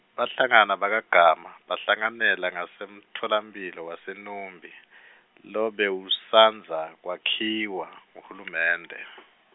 Bahlangana bakaGama, bahlanganela ngasemtfolamphilo waseNumbi, lebewusandza kwakhiwa, nguhulumende.